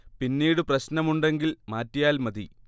പിന്നീട് പ്രശ്നം ഉണ്ടെങ്കിൽ മാറ്റിയാൽ മതി